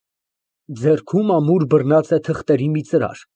Ձեռում ամուր բռնած է թղթերի մի ծրար։